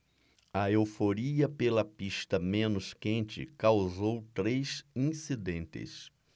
a euforia pela pista menos quente causou três incidentes